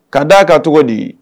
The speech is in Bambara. Ka d' a ka cogo di